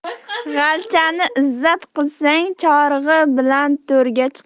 g'alchani izzat qilsang chorig'i bilan to'rga chiqar